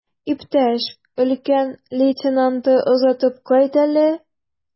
Иптәш өлкән лейтенантны озатып кайт әле.